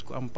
ok